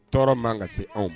Tɔɔrɔ man kan ka se anw